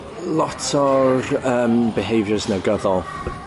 lot o'r yym behaviours negyddol.